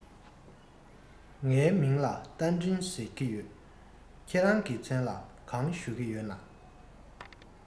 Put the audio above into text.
ངའི མིང ལ རྟ མགྲིན ཟེར གྱི ཡོད ཁྱེད རང གི མཚན ལ གང ཞུ གི ཡོད ན